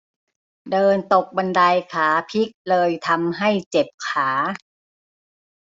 เดินตกบันไดขาพลิกเลยทำให้เจ็บขา